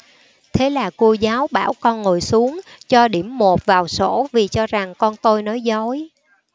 thế là cô giáo bảo con ngồi xuống cho điểm một vào sổ vì cho rằng con tôi nói dối